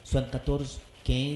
Santatɔrro kɛ